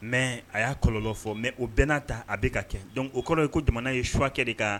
Mais a ya kɔlɔlɔ fɔ . mais o bɛn na ta , a bi ka kɛ. donc o kɔrɔ ye ko jamana ye cchoi kɛ de ka